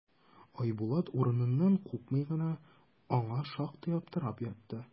Айбулат, урыныннан купмый гына, аңа шактый аптырап карап ятты.